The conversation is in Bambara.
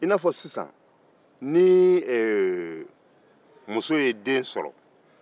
i n'a fɔ sisan ni ee muso ye den sɔrɔ